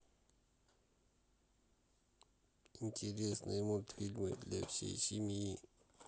интересные мультфильмы для всей семьи